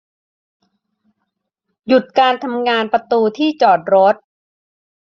หยุดการทำงานประตูที่จอดรถ